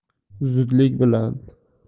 zudlik bilan